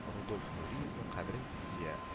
Рудольф Нуриевның каберен зиярә